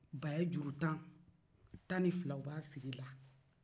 baya juru tan tan ni fila o b'a sir'i la